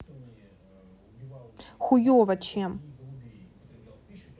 хуево чем